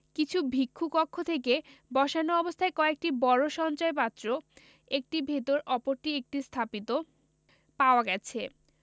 কিছু ভিক্ষু কক্ষ থেকে বসানো অবস্থায় কয়েকটি বড় সঞ্চয় পাত্র একটির ভেতর অপরটি একটি স্থাপিত পাওয়া গেছে